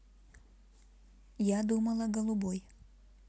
я думала голубой